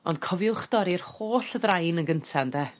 ond cofiwch dorri'r holl ddrain yn gynta ynde?